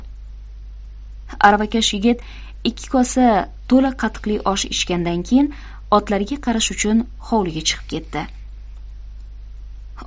aravakash yigit ikki kosa to'la qatiqli osh ichgandan keyin otlariga qarash uchun hovliga chiqib ketdi